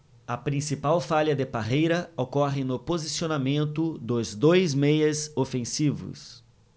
a principal falha de parreira ocorre no posicionamento dos dois meias ofensivos